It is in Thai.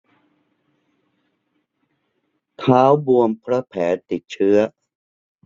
เท้าบวมเพราะแผลติดเชื้อ